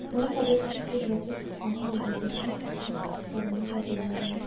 Моңа кадәр чит җирләргә чыкканым юк иде, кайда хезмәт итәчәгемне дә белмәдем.